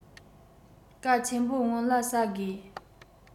ཀྭ ཆེན པོ སྔོན ལ ཟ དགོས